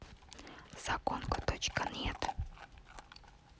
загонка точка нет